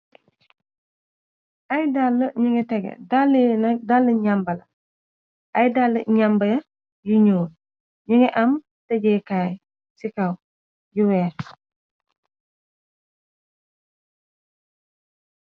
Ay dalla yu tege dalla yi nak dalli nyambala ay dall nambaa yu ñyuul ñu nge am tëjeekaay ci kaw yu weex.